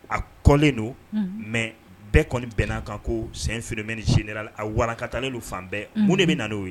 A kɔlen don mɛ bɛɛ kɔni bɛn n'a kan ko sen feeremɛ senla a warakatalen don fan bɛɛ mun de bɛ n'o ye